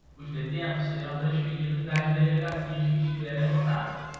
os detentos serão transferidos das delegacias que estiverem lotadas